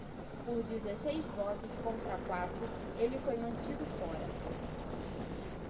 por dezesseis votos contra quatro ele foi mantido fora